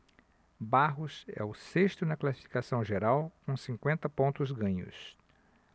barros é o sexto na classificação geral com cinquenta pontos ganhos